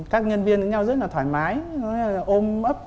các nhân viên với nhau rất là thoải mái ôm ấp